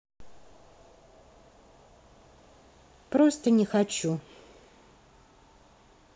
просто не хочу